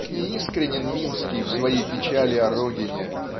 как ни искренен Минский в своей печали о родине